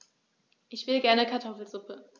Ich will gerne Kartoffelsuppe.